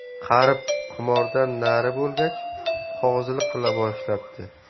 qarib qimordan nari bo'lgach qozilik qila boshlabdi